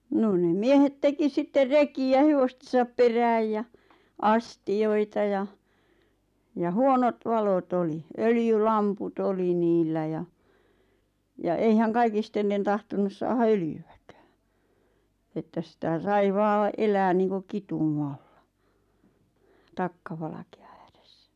no ne miehet teki sitten rekiä hevostensa perään ja astioita ja ja huonot valot oli öljylamput oli niillä ja ja eihän kaikille tahtonut saada öljyäkään että sitä sai vain elää niin kuin kitumalla takkavalkean ääressä